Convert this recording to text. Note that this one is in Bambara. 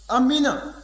amiina